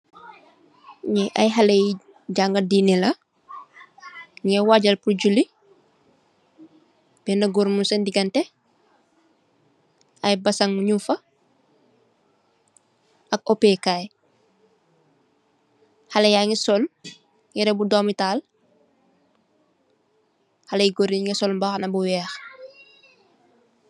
Njee aiiy haleh yu janga dineh la , njungeh waajal pur juli, benah gorre mung sehn diganteh, aiiy basan njung fa, ak ohpeh kaii, haleh yangy sol yehreh bu dormi taal, haleh yu gorre yii njungy sol mbahanah bu wekh.